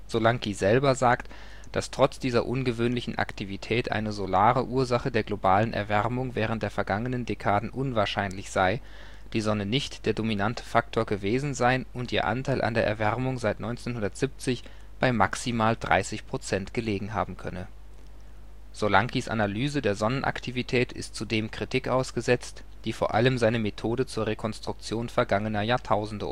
Solanki selber sagt, dass trotz dieser ungewöhnlichen Aktivität eine solare Ursache der globalen Erwärmung während der vergangenen Dekaden unwahrscheinlich sei, die Sonne nicht der dominante Faktor gewesen sein und ihr Anteil an der Erwärmung seit 1970 bei maximal 30 % gelegen haben könne. Solankis Analyse der Sonnenaktivität ist zudem Kritik ausgesetzt, die vor allem seine Methode zur Rekonstruktion vergangener Jahrtausende